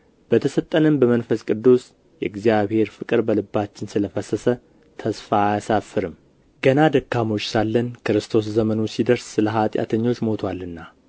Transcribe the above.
በተሰጠንም በመንፈስ ቅዱስ የእግዚአብሔር ፍቅር በልባችን ስለ ፈሰሰ ተስፋ አያሳፍርም ገና ደካሞች ሳለን ክርስቶስ ዘመኑ ሲደርስ ስለ ኃጢአተኞች ሞቶአልና